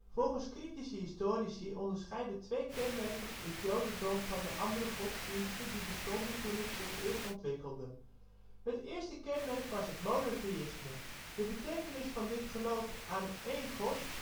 Volgens kritische historici, onderscheiden twee kenmerken het jodendom van de andere godsdiensten die bestonden toen het zich eerst ontwikkelde. Het eerste kenmerk was het monotheïsme. De betekenis van dit geloof aan één god